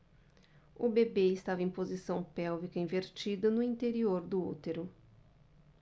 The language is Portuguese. o bebê estava em posição pélvica invertida no interior do útero